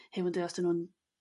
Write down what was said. Heb yn d'eu' os dyn nhw'n